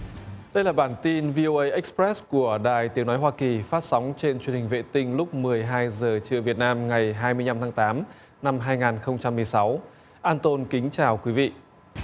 đây là bản tin vi ô ây ích pét của đài tiếng nói hoa kỳ phát sóng trên truyền hình vệ tinh lúc mười hai giờ trưa việt nam ngày hai mươi lăm tháng tám năm hai ngàn không trăm mười sáu an tôn kính chào quý vị